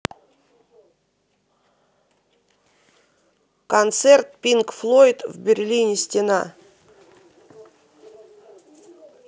концерт пинк флойд в берлине стена